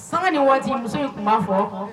San ni waati muso in tun b'a fɔ